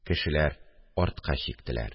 Кешеләр артка чиктеләр